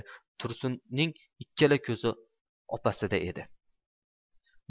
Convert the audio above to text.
tursunning ikkala ko'zi opasida edi